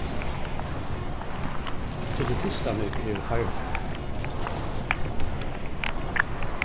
politistarnir eru farnir